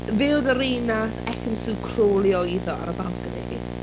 Fe oedd yr un wnaeth Ekin Su crawlio iddo ar y balcony.